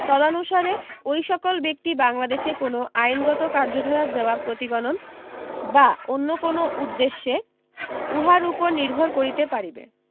তদানুসারে ঐ সকল ব্যক্তি বাংলাদেশে কোন আইনগত কার্যধারার জবাব প্রতিগণন বা অন্য কোন উদ্দেশ্যে উহার উপর নির্ভর করিতে পারিবে